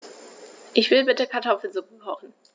Ich will bitte Kartoffelsuppe kochen.